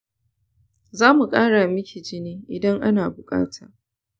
zamu kara miki jini idan ana bukata.